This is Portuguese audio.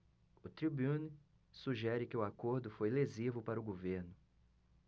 o tribune sugere que o acordo foi lesivo para o governo